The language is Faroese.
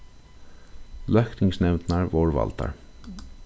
løgtingsnevndirnar vórðu valdar